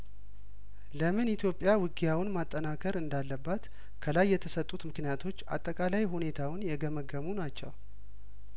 ለምን ኢትዮጵያ ውጊያውን ማጠናከር እንዳለባት ከላይ የተሰጡት ምክንያቶች አጠቃላይ ሁኔታውን የገመገሙ ናቸው